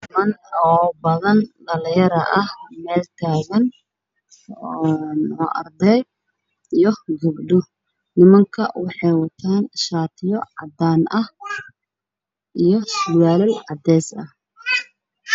Meeshaan waxaa ka muuqdo arday qabto shaati cadaan iyo surwaal cadays ah